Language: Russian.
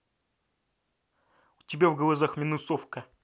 у тебя в глазах минусовка